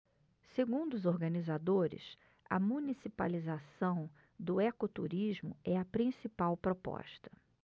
segundo os organizadores a municipalização do ecoturismo é a principal proposta